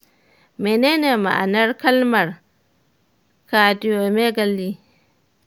menene ma'anar kalmar cardiomegaly?